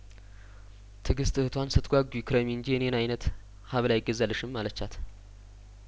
ትግስት እህቷን ስትጓጉ ክረሚ እንጂ የኔን አይነት ሀብል አይገዛልሽም አለቻት